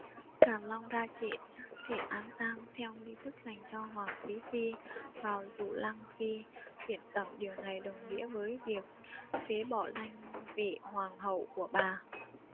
càn long ra chỉ an táng theo nghi thức dành cho hoàng quý phi vào dụ lăng phi viên tẩm điều này đồng nghĩa với việc phế bỏ danh vị hoàng hậu của bà